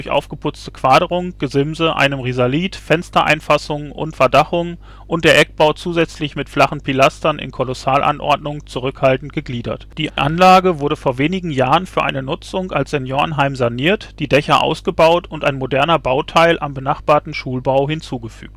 aufgeputzte Quaderung, Gesimse, einem Risalit, Fenstereinfassungen und - verdachungen und der Eckbau zusätzlich mit flachen Pilastern in Kolossalordnung zurückhaltend gegliedert. Die Anlage wurde vor wenigen Jahren für eine Nutzung als Seniorenheim saniert, die Dächer ausgebaut und ein moderner Bauteil am benachbarten Schulbau hinzugefügt